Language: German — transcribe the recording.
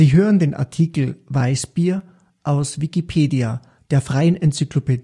hören den Artikel Weizenbier, aus Wikipedia, der freien Enzyklopädie